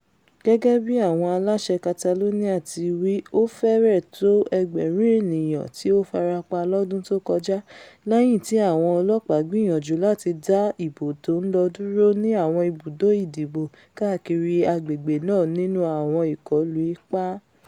Gẹ́gẹ́bí àwọn aláṣẹ Catalonia ti wí ó fẹ́rẹ̀ tó ẹgbẹ̀rún ènìyàn tí ó farapa lọ́dún tó kọjá lẹ́yìn tí àwọn ọlọ́ọ̀pá gbìyànjú láti dá ìbò tó ńlọ dúró ní àwọn ibùdó ìdìbò káàkiri agbègbè̀̀ náà nínú àwọn ìkọlù ipá.